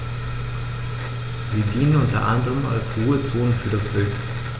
Sie dienen unter anderem als Ruhezonen für das Wild.